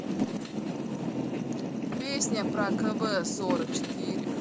песня про кв сорок четыре